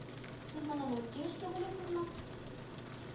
Сез моны мөмкин эш дип уйлыйсызмы